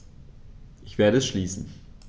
Ich werde es schließen.